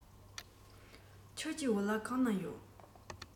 ཁྱོད ཀྱི བོད ལྭ གང ན ཡོད